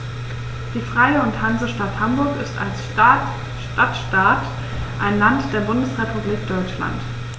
Die Freie und Hansestadt Hamburg ist als Stadtstaat ein Land der Bundesrepublik Deutschland.